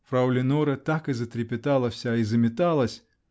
Фрау Леноре так и затрепетала вся и заметалась.